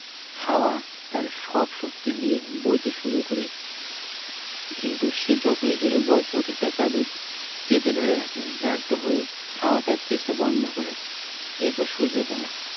হাওয়া তার সব শক্তি দিয়ে বইতে শুরু করে কিন্তু সে যতই জোড়ে বয় পথিক তার চাদর চেপে ধরে রাখে ব্যর্থ হয়ে হাওয়া তার চেষ্টা বন্ধ করে এর পর সূর্যের পালা